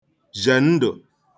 zhè ndụ̀